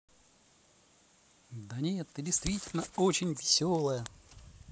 да нет ты действительно очень веселая